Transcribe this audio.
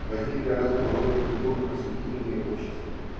Возникли разного рода культурно-просветительные общества.